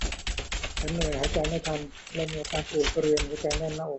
ฉันเหนื่อยหายใจไม่ทันและมีอาการปวดบริเวณหัวใจแน่นหน้าอก